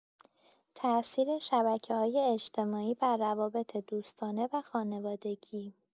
تاثیر شبکه‌های اجتماعی بر روابط دوستانه و خانوادگی